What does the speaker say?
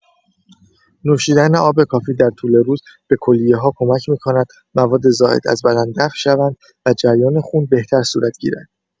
نوشیدن آب کافی در طول روز، به کلیه‌ها کمک می‌کند مواد زائد از بدن دفع شوند و جریان خون بهتر صورت گیرد.